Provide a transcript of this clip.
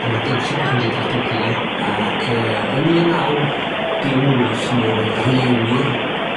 O' 'na bentra bach wedi datblygu 'na ac yy yn un naw dim wyth mi ddaru' rhieni'r